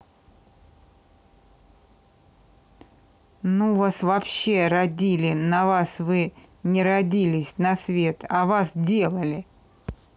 ну вас вообще родили на вас вы не родились на свет а вас делали